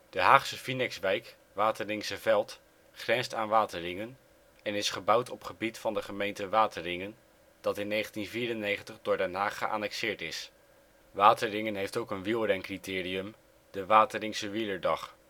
De Haagse Vinex-wijk Wateringse Veld grenst aan Wateringen (en is gebouwd op gebied van de gemeente Wateringen dat in 1994 door Den Haag geannexeerd is). Wateringen heeft ook een wielren-criterium: de Wateringse wielerdag